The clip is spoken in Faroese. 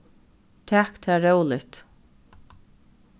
tak tað róligt